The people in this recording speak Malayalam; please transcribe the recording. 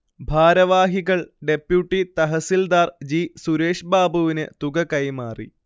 ഭാരവാഹികൾ ഡെപ്യൂട്ടി തഹസിൽദാർ ജി. സുരേഷ്ബാബുവിന് തുക കൈമാറി